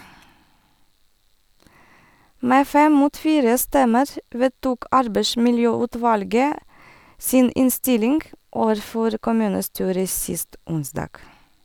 Med fem mot fire stemmer vedtok arbeidsmiljøutvalget sin innstilling overfor kommunestyret sist onsdag.